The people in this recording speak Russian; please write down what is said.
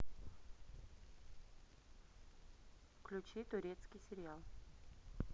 включи турецкий сериал